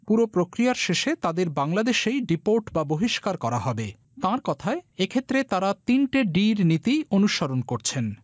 পুরো প্রক্রিয়ার শেষে তাদেরকে বাংলাদেশেই ডিপোর্ট বা বহিষ্কার করা হবে তার কথায় এক্ষেত্রে তারা তিনটে ডির নীতি অনুসরণ করছেন